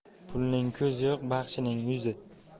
pulning ko'zi yo'q baxshining yuzi